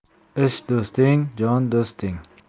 ish do'sting jon do'sting